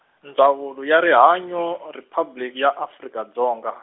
Ndzawulo ya Rihanyo o Riphabliki ya Afrika Dzonga.